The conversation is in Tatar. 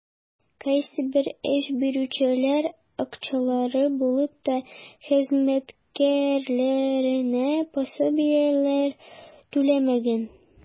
Кайсыбер эш бирүчеләр, акчалары булып та, хезмәткәрләренә пособиеләр түләмәгән.